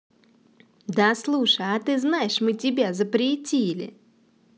да слушай а ты знаешь мы тебя запретили